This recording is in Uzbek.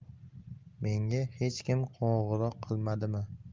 menga hech kim qo'ng'iroq qilmadimi